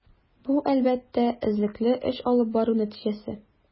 Бу, әлбәттә, эзлекле эш алып бару нәтиҗәсе.